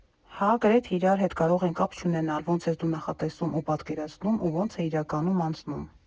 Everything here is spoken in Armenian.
Հա, գրեթե իրար հետ կարող են կապ չունենալ՝ ոնց ես դու նախատեսում ու պատկերացնում, ու ոնց է իրականում անցնում։